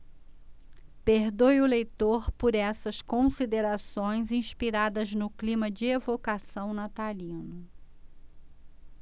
perdoe o leitor por essas considerações inspiradas no clima de evocação natalino